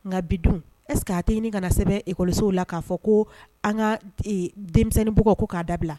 Nka bi dun ɛs k'a tɛ ɲini kana na sɛbɛn ekɔlisow la k'a fɔ ko an ka denmisɛnnin bugɔ ko k'a dabila.